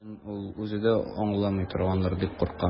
Үз хәлен ул үзе дә аңламый торгандыр дип куркам.